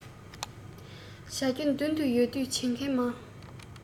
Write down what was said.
བྱ རྒྱུ མདུན དུ ཡོད དུས བྱེད མཁན མང